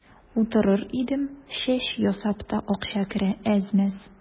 Утырыр идем, чәч ясап та акча керә әз-мәз.